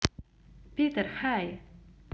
питер хай